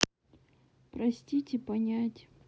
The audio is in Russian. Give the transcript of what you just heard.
простите понять